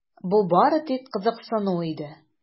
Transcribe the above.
Бу бары тик кызыксыну иде.